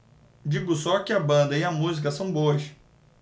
digo só que a banda e a música são boas